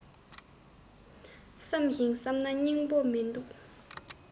བསམ ཞིང བསམ ན སྙིང པོ མིན འདུག